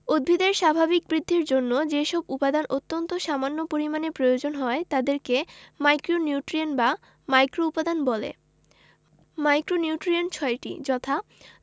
মাইক্রোউপাদান উদ্ভিদের স্বাভাবিক বৃদ্ধির জন্য যেসব উপাদান অত্যন্ত সামান্য পরিমাণে প্রয়োজন হয় তাদেরকে মাইক্রোনিউট্রিয়েন্ট বা মাইক্রোউপাদান বলে মাইক্রোনিউট্রিয়েন্ট ৬টি যথা